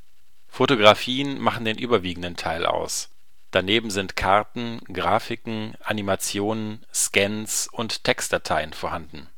Fotografien machen den überwiegenden Teil aus, daneben sind Karten, Grafiken, Animationen, Scans und Textdateien vorhanden